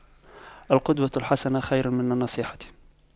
القدوة الحسنة خير من النصيحة